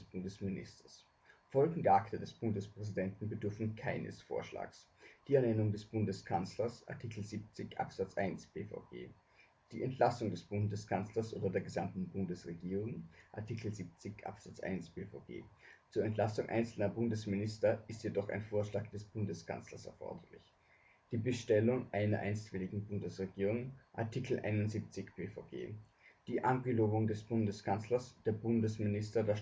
Bundesministers). Folgende Akte des Bundespräsidenten bedürfen keines Vorschlags: die Ernennung des Bundeskanzlers (Art. 70 Abs 1 B-VG) die Entlassung des Bundeskanzlers oder der gesamten Bundesregierung (Art. 70 Abs 1 B-VG; zur Entlassung einzelner Bundesminister ist jedoch ein Vorschlag des Bundeskanzlers erforderlich) die Bestellung einer einstweiligen Bundesregierung (Art. 71 B-VG) die Angelobung des Bundeskanzlers, der Bundesminister